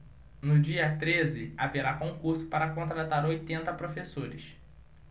no dia treze haverá concurso para contratar oitenta professores